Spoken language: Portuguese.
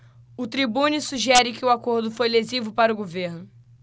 o tribune sugere que o acordo foi lesivo para o governo